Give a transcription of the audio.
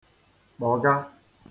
-kpọ̀ga